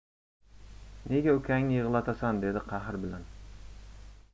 nega ukangni yig'latasan dedi qahr bilan